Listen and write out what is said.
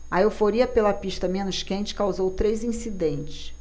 a euforia pela pista menos quente causou três incidentes